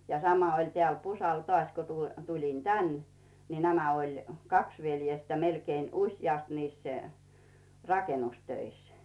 ja sama oli täällä Pusalla taas kun tuli tulin tänne niin nämä oli kaksi veljestä melkein useasti niissä rakennustöissä